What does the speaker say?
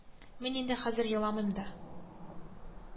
Ләкин яңа өйдә әле ярлылык.